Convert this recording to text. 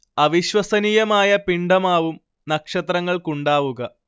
അവിശ്വസനീയമായ പിണ്ഡമാവും നക്ഷത്രങ്ങൾക്കുണ്ടാവുക